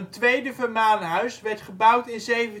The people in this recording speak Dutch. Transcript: tweede vermaanhuis werd gebouwd in 1733